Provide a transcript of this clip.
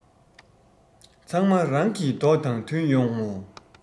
ཚང མ རང གི མདོག དང མཐུན ཡོང ངོ